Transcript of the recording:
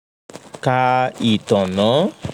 Ka Ìtàna